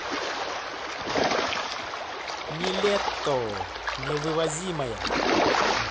niletto невывозимая